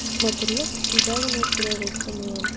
Матурлык туйда гына кирәк ул, ханиям.